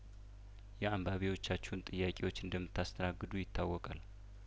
የአንባቢዎቻችሁን ጥያቄዎች እንደምታ ስተናግዱ ይታወቃል